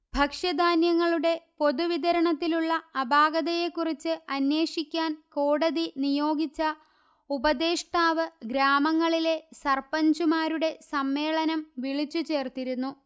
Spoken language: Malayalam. ഭക്ഷ്യധാന്യങ്ങളുടെ പൊതുവിതരണത്തിലുള്ള അപാകതയെക്കുറിച്ച് അന്വേഷിക്കാൻ കോടതി നിയോഗിച്ച ഉപദേഷ്ടാവ് ഗ്രാമങ്ങളിലെ സർപഞ്ച്മാരുടെ സമ്മേളനം വിളിച്ചു ചേർത്തിരുന്നു